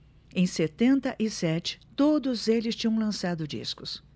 em setenta e sete todos eles tinham lançado discos